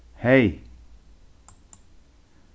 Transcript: hey